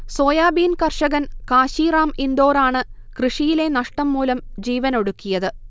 soybean കർഷകൻ കാശീറാം ഇൻഡോറാണ് കൃഷിയിലെ നഷ്ടം മൂലം ജീവനൊടുക്കിയത്